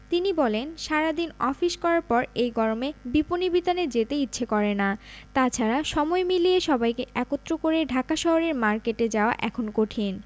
তিনি বলেন সারা দিন অফিস করার পর এই গরমে বিপণিবিতানে যেতে ইচ্ছে করে না তা ছাড়া সময় মিলিয়ে সবাইকে একত্র করে ঢাকা শহরের মার্কেটে যাওয়া এখন কঠিন